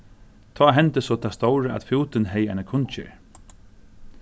tá hendi so tað stóra at fútin hevði eina kunngerð